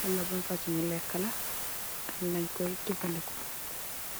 wala ban fosongi leka la ak lan len koi jefendeko.